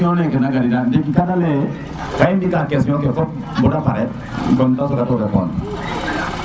question ne na garida ndiki kada leye ka imbi ka question ke fop bata pare bon te soga te répondre